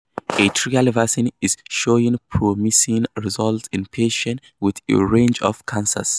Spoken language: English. A trial vaccine is showing promising results in patients with a range of cancers.